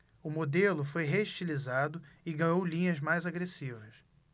o modelo foi reestilizado e ganhou linhas mais agressivas